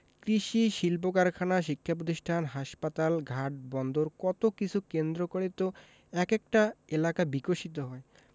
কৃষি শিল্পকারখানা শিক্ষাপতিষ্ঠান হাসপাতাল ঘাট বন্দর কত কিছু কেন্দ্র করে তো এক একটা এলাকা বিকশিত হয়